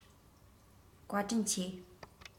བཀའ དྲིན ཆེ